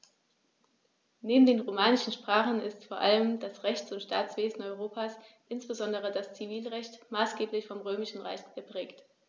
Neben den romanischen Sprachen ist vor allem das Rechts- und Staatswesen Europas, insbesondere das Zivilrecht, maßgeblich vom Römischen Recht geprägt.